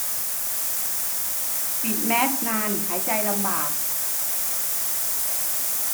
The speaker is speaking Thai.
ปิดแมสนานหายใจลำบาก